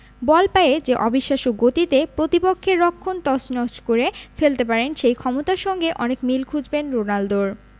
বল পায়ে যে অবিশ্বাস্য গতিতে প্রতিপক্ষের রক্ষণ তছনছ করে ফেলতে পারেন সেই ক্ষমতার সঙ্গে অনেকে মিল খুঁজবেন রোনালদোর